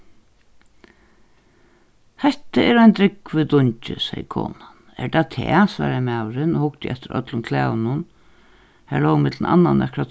hetta er ein drúgvur dungi segði konan er tað tað svaraði maðurin og hugdi eftir øllum klæðunum har lógu millum annað nakrar